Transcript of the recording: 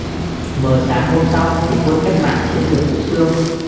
mờ sáng hôm sau thì quân cách mạng chiếm được vũ xương